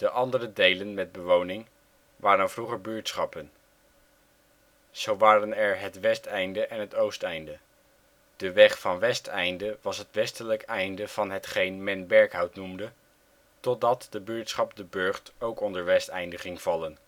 andere delen met bewoning waren vroeger buurtschappen. Zo was er het Westeinde en het Oosteinde. De weg van Westeinde was het westelijk einde van hetgeen men Berkhout noemde, totdat de buurtschap De Burgt ook onder Westeinde ging vallen